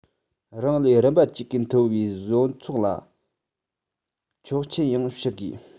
རང ལས རིམ པ གཅིག གིས མཐོ བའི བཟོ ཚོགས ལ ཆོག མཆན ཡང ཞུ དགོས